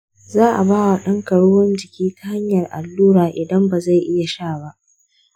za a ba wa ɗanka ruwan jiki ta hanyar allura idan ba zai iya sha ba.